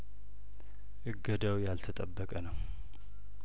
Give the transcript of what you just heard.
እገዳው ያልተጠበቀ ነው